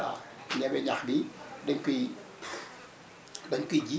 waaw ñebe ñax bi dañ koy dañ koy ji